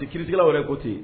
Ni kiritigɛlaw yɛrɛ ko ten.